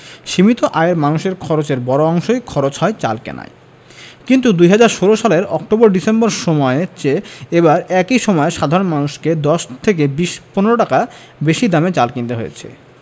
সীমিত আয়ের মানুষের খরচের বড় অংশই খরচ হয় চাল কেনায় কিন্তু ২০১৬ সালের অক্টোবর ডিসেম্বর সময়ের চেয়ে এবার একই সময়ে সাধারণ মানুষকে ১০ থেকে ১৫ টাকা বেশি দামে চাল কিনতে হয়েছে